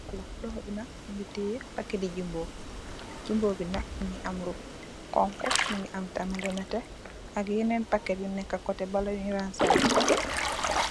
Loho bi nak mungi tè paket ti jumbo. Jumbo bi nak mungi am lu honku mungi am tamit lu nètè ak yenen paket yu nekka kotè balè yun rangsalè.